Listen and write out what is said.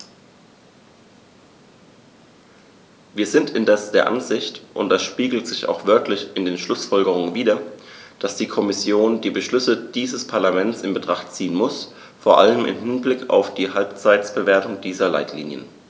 Wir sind indes der Ansicht und das spiegelt sich auch wörtlich in den Schlussfolgerungen wider, dass die Kommission die Beschlüsse dieses Parlaments in Betracht ziehen muss, vor allem im Hinblick auf die Halbzeitbewertung dieser Leitlinien.